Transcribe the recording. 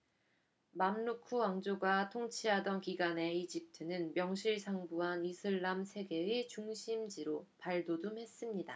맘루크 왕조가 통치하던 기간에 이집트는 명실상부한 이슬람 세계의 중심지로 발돋움했습니다